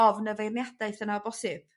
ofn y feirniadaeth yna o bosib.